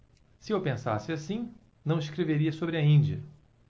se eu pensasse assim não escreveria sobre a índia